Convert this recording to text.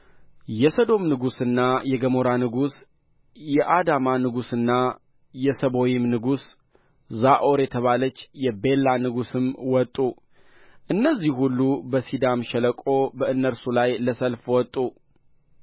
የሰዶም ንጉሥና የገሞራ ንጉሥ የአዳማ ንጉሥና የሰቦይም ንጉሥ ዞዓር የተባለች የቤላ ንጉሥም ወጡ እነዚህ ሁሉ በሲዲም ሸለቆ በእነርሱ ላይ ለሰልፍ ወጡ